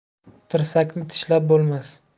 tirsakni tishlab bo'lmas